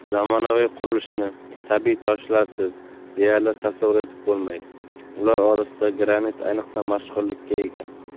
zamonaviy qurilishni tabiiy toshlarsiz deyarli tasavvur etib bo'lmaydi ular orasida granit ayniqsa mashhurlikka ega